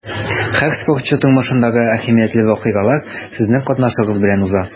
Һәр спортчы тормышындагы әһәмиятле вакыйгалар сезнең катнашыгыз белән уза.